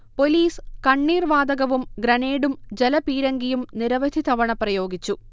police കണ്ണീർ വാതകവും ഗ്രനേഡും ജലപീരങ്കിയും നിരവധി തവണ പ്രയോഗിച്ചു